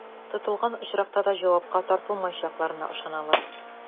Тотылган очракта да җавапка тартылмаячакларына ышаналар.